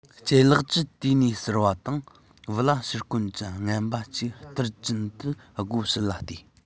ལྗད ལགས ཀྱིས དེ ནས ཟེར བ དང བུ ལ ཕྱུར སྐོམ གྱི བརྔན པ གཅིག སྟེར གྱིན དུ སྒོ ཕྱོགས ལ བལྟས